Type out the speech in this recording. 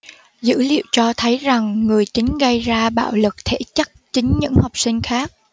dữ liệu cho thấy rằng người chính gây ra bạo lực thể chất chính những học sinh khác